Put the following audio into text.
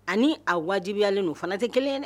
Ani a wajibiyalen don fana tɛ kelen ye